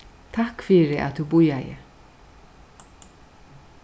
takk fyri at tú bíðaði